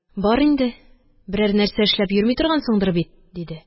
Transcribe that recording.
– бар инде, берәр нәрсә эшләп йөрми торгансыңдыр бит? – диде.